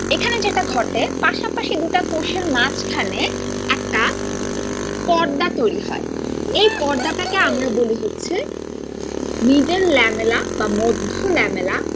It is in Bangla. এখানে যেটা ঘটে পাশাপাশি দুইটা কৌশল মাঝখানে একটা পর্দা তৈরি হয় এ পর্দা টা কে আমরা বলি হচ্ছে মিডল ল্যামেলা বা মধ্য ল্যামেলা